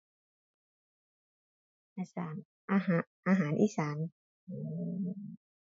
ให้สร้างอาหะ อาหารอีสาน